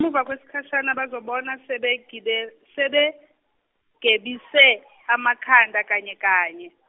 muva kwesikhashana bazibona sebegibe, sebegebise amakhanda kanye kanye.